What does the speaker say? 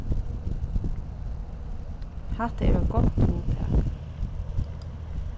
hatta er eitt gott hugtak